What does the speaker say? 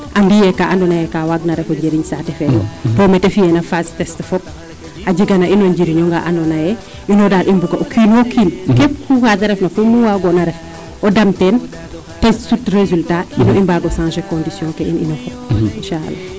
a ndiye kaa waag na waago ref o njiriñ saate fee yo to mete fiyeena phase texte fop a jega no in o njiriñonga ando naye o kiin keep kuta waag na refna fo muu waagona ref o dam teen te sut resultat pour i mbaago changer condition ke in iono fop inchaala